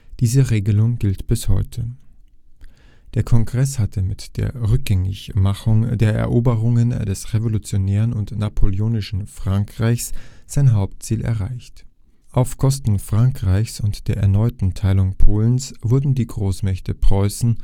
Diese Regelung gilt bis heute. Der Kongress hatte mit der Rückgängigmachung der Eroberungen des revolutionären und napoleonischen Frankreichs sein Hauptziel erreicht. Auf Kosten Frankreichs und der erneuten Teilung Polens wurden die Großmächte Preußen, Österreich